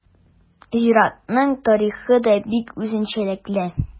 Зиратның тарихы да бик үзенчәлекле.